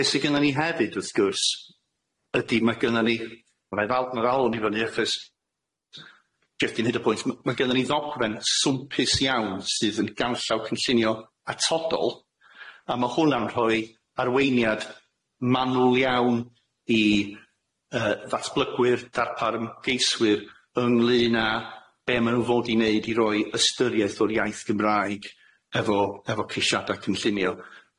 Be' sy gynnon ni hefyd wrth gwrs ydi ma' gynnon ni ma' nai ddal- ma' ddal hwn i fyny achos geff di neud y pwynt m- ma' gynnon ni ddogfen swmpus iawn sydd yn ganllaw cynllunio atodol a ma' hwnna'n rhoi arweiniad manwl iawn i yy ddatblygwyr darpar ymgeiswyr ynglŷn â be' ma' nw fod i neud i roi ystyriaeth o'r iaith Gymraeg efo efo ceisiada cynllunio.